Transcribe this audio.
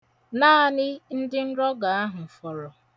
Naanị ndị nrogo ahụ fọrọ.